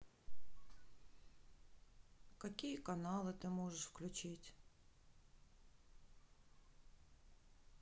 какие каналы ты можешь включить